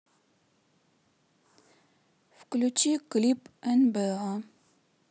включи клип нба